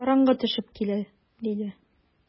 Караңгы төшеп килә, - диде.